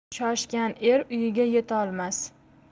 shoshgan er uyiga yetolmas